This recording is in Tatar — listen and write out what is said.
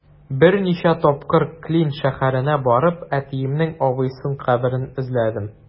Берничә тапкыр Клин шәһәренә барып, әтиемнең абыйсының каберен эзләдем.